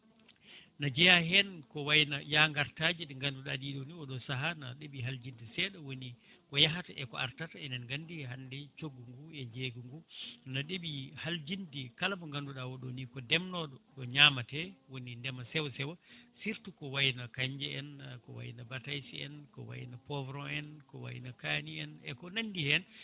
ne jeeha hen ko wayno ya gartaji ɗi ganduɗa ɗiɗo ni oɗo saaha ne ɗeeɓi haljinde seeɗa woni ko yahata eko artata enen gandi hande coggu ngu e jeygungu no ɗeeɓi haljinde kala mo ganduɗa oɗo ni ko ndemnoɗo ko ñamate woni ndeema sewo sewo surtout ko wayno canjje en ko wayno batayse en ko wayno pouvron en ko wayno kani en eko nandi hen